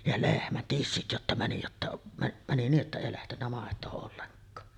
ja lehmän tissit jotta meni jotta - meni niin että ei lähtenyt maitoa ollenkaan